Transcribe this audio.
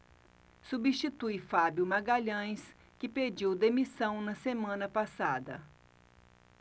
substitui fábio magalhães que pediu demissão na semana passada